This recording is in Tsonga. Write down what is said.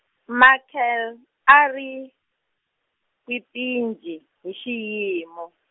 Marcel, a ri, kwipinji, hi xiyimo.